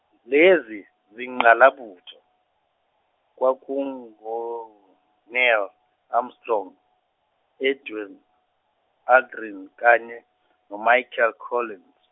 lezi zingqalabutho, kwakungo Neil Armstrong, Edwind, Aldrin kanye no Michael Collins.